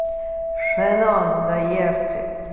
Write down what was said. шенон доерти